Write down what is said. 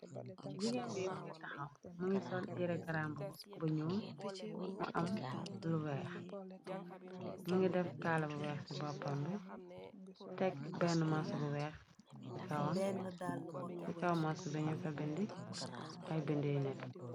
jigéen bi mu ngi taxaw më ngi sol yere garambo bu ñuul mu am lu weex më ngi def kaala bu weex ci boppambe tekk benn masu bu weex ci kaw mansu biñu fa bindi ay bind yu nete